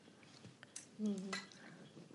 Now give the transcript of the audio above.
Hmm.